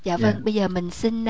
dạ vâng bây giờ mình xin